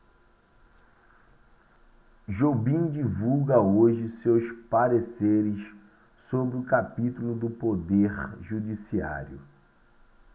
jobim divulga hoje seus pareceres sobre o capítulo do poder judiciário